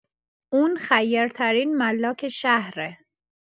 اون خیرترین ملاک شهره